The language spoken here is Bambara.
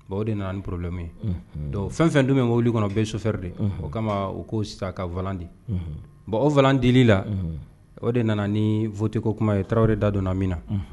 Bon o de nana porolomi fɛn fɛn don min wuli kɔnɔ bɛ sofɛri de o kama u ko sisan ka vlandi bɔn o v deli la o de nana niteko kuma ye tarawele da donna min na